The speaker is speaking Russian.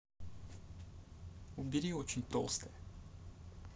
убери очень толстая